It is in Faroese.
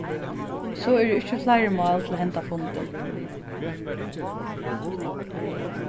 so eru ikki fleiri mál til hendan fundin